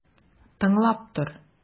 Тыңлап тор!